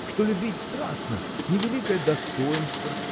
что любить страстно – не великое достоинство